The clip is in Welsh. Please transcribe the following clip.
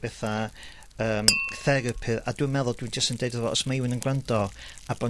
betha yym therapi, a dwi'n meddwl dwi'n jys yn deud iddo fo os ma' ywun yn grando a bo'